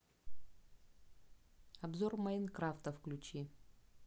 обзор майнкрафта включи